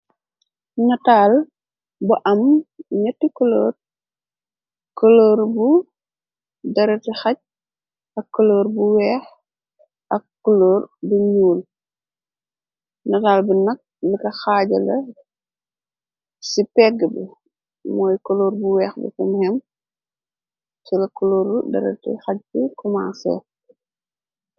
Nataal bu am ñetti koloor, koloor bu deretu haj ak koloor bu weeh ak koloor bu ñuul. Ñataal bi nag ñung ko haajalo ci pegg bi. mooy koloor bu weeh bu hem cëla kolóoru dereti haj bi kumansey.